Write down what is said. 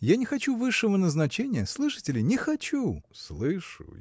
Я не хочу высшего назначения – слышите ли, не хочу!. – Слышу!